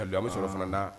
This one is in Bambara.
A don a bɛ sɔrɔ fana na